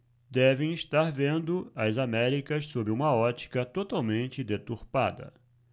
devem estar vendo as américas sob uma ótica totalmente deturpada